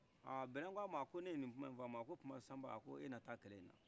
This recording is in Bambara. a bɛlan k'ama ko ne ye ni kuma fumu o tuma sanba e na taa kɛlɛla